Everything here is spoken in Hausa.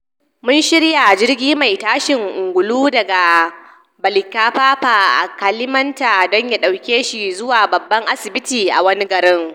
Mun shirya jirgi mai tashin angulu daga Balikpapan a Kalimantan don ya dauke shi zuwa babban asibiti a wani garin.